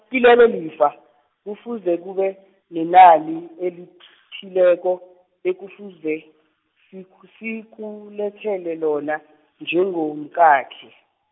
kilelo lifa, kufuze kube nenani elith- -thileko, ekufuze siku- sikulethele lona, njengomkakhe.